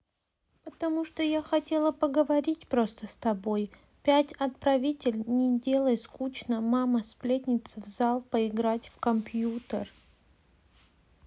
потому что я хотела поговорить просто с тобой пять отправитель не делай скучно мама сплетница в зал поиграть в компьютер